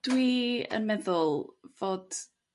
Dwi yn meddwl fod